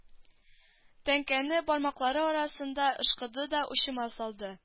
Тәңкәне бармаклары арасында ышкыды да учыма салды